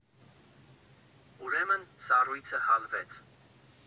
Ուրեմն «սառույցը հալվեց»։